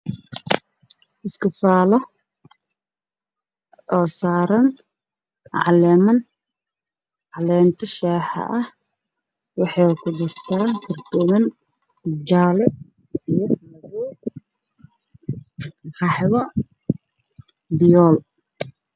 Waa supermarket market waxaa yaalo buskud Caano